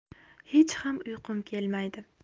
hech ham uyqum kelmaydi